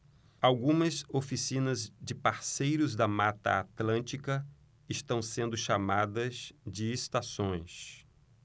algumas oficinas de parceiros da mata atlântica estão sendo chamadas de estações